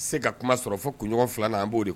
Se ka kuma sɔrɔ fo kunɲɔgɔnfila na an b'o